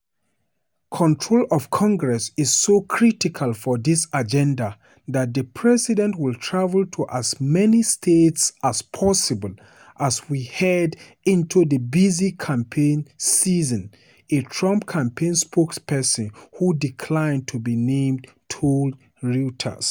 "Control of Congress is so critical for his agenda that the president will travel to as many states as possible as we head into the busy campaign season," a Trump campaign spokesman who declined to be named told Reuters.